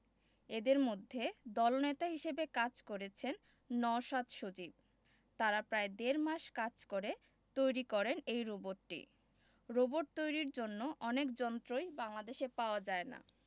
এদের মধ্যে দলনেতা হিসেবে কাজ করেছেন নওশাদ সজীব তারা প্রায় দেড় মাস কাজ করে তৈরি করেন এই রোবটটি রোবট তৈরির জন্য অনেক যন্ত্রই বাংলাদেশে পাওয়া যায় না